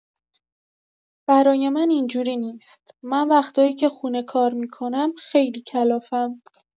برای من اینجوری نیست، من وقتایی که خونه کار می‌کنم خیلی کلافم!